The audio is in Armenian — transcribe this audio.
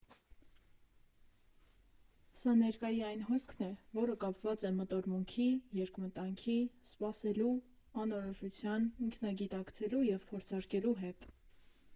Սա ներկայի այն հոսքն է, որը կապված է մտորմունքի, երկմտանքի, սպասելու, անորոշության, ինքնագիտակցելու և փորձարկելու հետ։